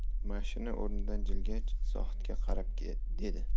mashina o'rnidan jilgach zohidga qarab dedi